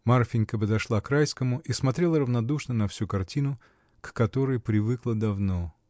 Марфинька подошла к Райскому и смотрела равнодушно на всю картину, к которой привыкла давно.